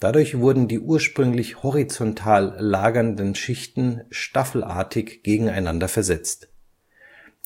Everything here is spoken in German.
Dadurch wurden die ursprünglich horizontal lagernden Schichten staffelartig gegeneinander versetzt.